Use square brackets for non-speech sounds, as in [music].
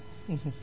[hesitation] [hesitation]